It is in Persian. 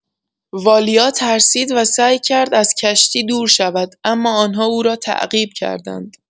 والیا ترسید و سعی کرد از کشتی دور شود، اما آنها او را تعقیب کردند.